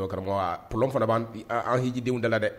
O karamɔgɔ p fana b bɛ anhjidenw da la dɛ